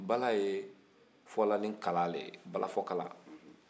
bala bɛ fɔ nin kala de ye balafɔkala